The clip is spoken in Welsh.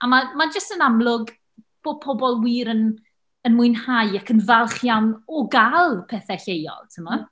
A ma' ma' jyst yn amlwg bod pobl wir yn yn mwynhau ac yn falch iawn o gael pethe lleol, timod.